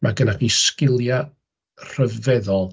Mae genna chi sgiliau rhyfeddol.